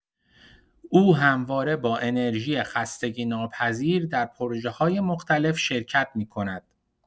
او همواره با انرژی خستگی‌ناپذیر در پروژه‌های مختلف شرکت می‌کند.